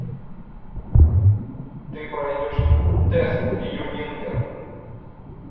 ты пройдешь тест юнингер